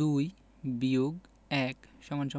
২ - ১ =১